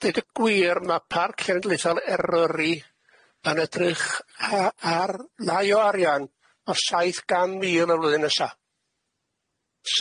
A deud y gwir ma' parc cenedlaethol Eryri yn edrych ha- ar lai o arian o saith gan mil y flwyddyn nesa.